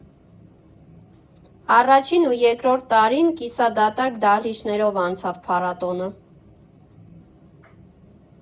Առաջին ու երկրորդ տարին կիսադատարկ դահլիճներով անցավ փառատոնը։